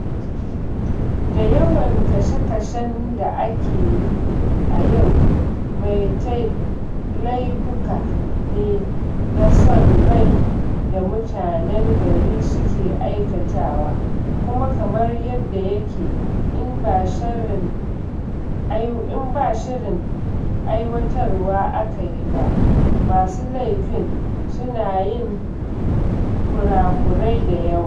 Da yawan kashe-kashen da ake yi a Yau Ma Tei laifuka ne na son rai da mutanen gari suke aikatawa, kuma kamar yadda yake in ba shirin aiwatarwa aka yi ba, masu laifin suna yin kurakurai da yawa.